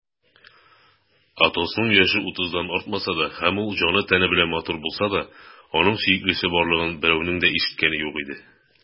Атосның яше утыздан артмаса да һәм ул җаны-тәне белән матур булса да, аның сөеклесе барлыгын берәүнең дә ишеткәне юк иде.